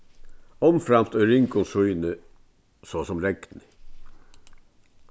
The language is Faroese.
umframt í ringum sýni so sum regni